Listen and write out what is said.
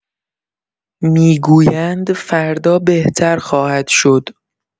می‌گویند فردا بهتر خواهد شد!